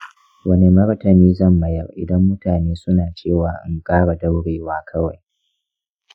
wane martani zan mayar idan mutane suna cewa in ƙara daurewa kawai?